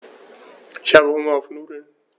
Ich habe Hunger auf Nudeln.